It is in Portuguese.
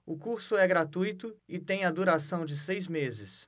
o curso é gratuito e tem a duração de seis meses